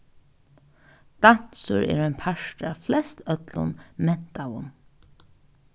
dansur er ein partur av flest øllum mentaðum